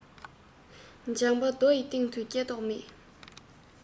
ལྗང པ རྡོ ཡི སྟེང དུ སྐྱེ མདོག མེད